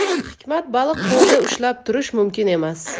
hikmat baliq qo'lda ushlab turish mumkin emas